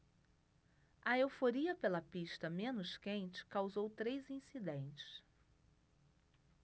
a euforia pela pista menos quente causou três incidentes